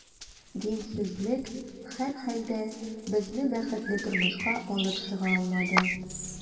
Динсезлек, һәрхәлдә, безне бәхетле тормышка алып чыга алмады.